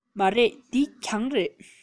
མ རེད འདི གྱང རེད